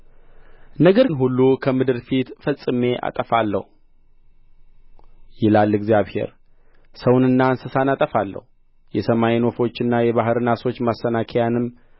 ነገርን ሁሉ ከምድር ፊት ፈጽሜ አጠፋለሁ ይላል እግዚአብሔር ሰውንና እንስሳን አጠፋለሁ የሰማይን ወፎችና የባሕርን ዓሣዎች ማሰናከያንም